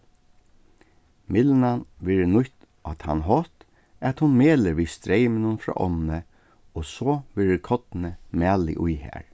mylnan verður nýtt á tann hátt at hon melur við streyminum frá ánni og so verður kornið malið í har